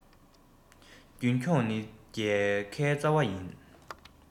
རྒྱུན འཁྱོངས ནི རྒྱལ ཁའི རྩ བ ཡིན